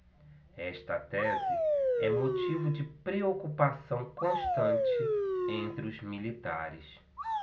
esta tese é motivo de preocupação constante entre os militares